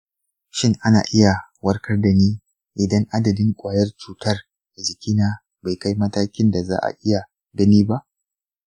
shin ana iya warkar da ni idan adadin ƙwayar cutar a jikina bai kai matakin da za a iya gani ba?